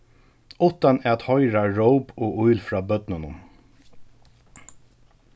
uttan at hoyra róp og ýl frá børnunum